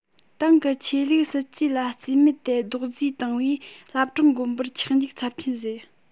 ཏང གི ཆོས ལུགས སྲིད ཇུས ལ རྩིས མེད དེ རྡོག བརྫིས བཏང བས བླ བྲང དགོན པར ཆག འཇིག ཚབས ཆེན བཟོས